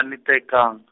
a le tekang- .